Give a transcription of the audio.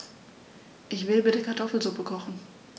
Ich will bitte Kartoffelsuppe kochen.